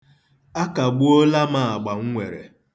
Akagbuola m agba m nwere.